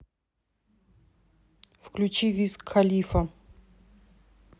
включи виз кхалифа